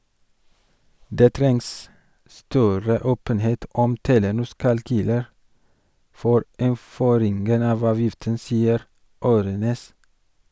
- Det trengs større åpenhet om Telenors kalkyler for innføringen av avgiften, sier Aarønæs.